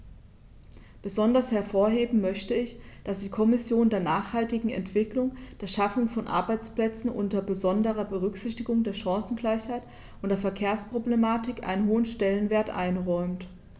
Besonders hervorheben möchte ich, dass die Kommission der nachhaltigen Entwicklung, der Schaffung von Arbeitsplätzen unter besonderer Berücksichtigung der Chancengleichheit und der Verkehrsproblematik einen hohen Stellenwert einräumt.